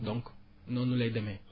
donc noonu lay demee